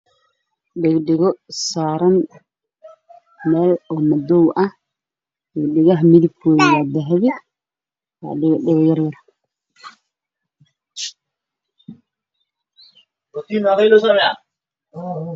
Dhag dhago saaran meel madow ah midabkoodu waa dahabi